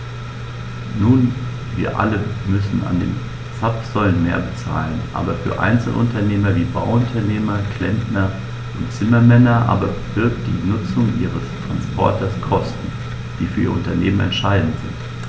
Nun wir alle müssen an den Zapfsäulen mehr bezahlen, aber für Einzelunternehmer wie Bauunternehmer, Klempner und Zimmermänner aber birgt die Nutzung ihres Transporters Kosten, die für ihr Unternehmen entscheidend sind.